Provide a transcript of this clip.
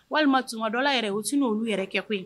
Walima su dɔ yɛrɛ u sini n' y olu yɛrɛ kɛ koyi